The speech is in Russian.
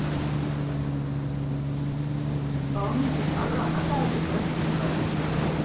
исполнитель ага какая ты красивая